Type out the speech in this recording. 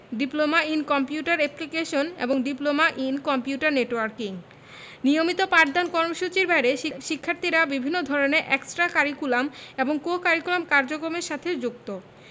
diploma in computer application এবং diploma in computer networking নিয়মিত পাঠদান কর্মসূচির বাইরে শিক্ষার্থীরা বিভিন্ন ধরনের এক্সটা কারিকুলাম এবং কো কারিকুলাম কার্যক্রমের সাথে যুক্ত